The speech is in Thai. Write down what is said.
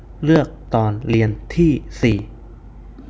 เลือกตอนเรียนที่สี่